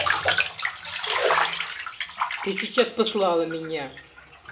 ты сейчас послала меня